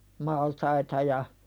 maltaita ja